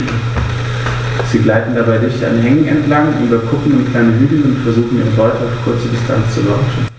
Sie gleiten dabei dicht an Hängen entlang, über Kuppen und kleine Hügel und versuchen ihre Beute auf kurze Distanz zu überraschen.